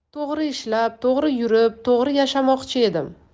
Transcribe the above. to'g'ri ishlab to'g'ri yurib to'g'ri yashamoqchi edim